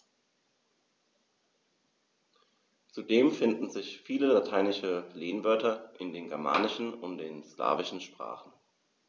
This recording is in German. Zudem finden sich viele lateinische Lehnwörter in den germanischen und den slawischen Sprachen.